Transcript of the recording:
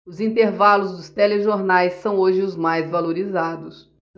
os intervalos dos telejornais são hoje os mais valorizados